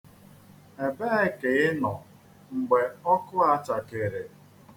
Ebee ka ị nọ mgbe ọkụ a chakere?